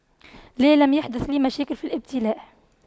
لا لم يحدث لي مشاكل في الابتلاع